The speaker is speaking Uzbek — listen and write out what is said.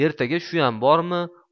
ertaga shuyam bormi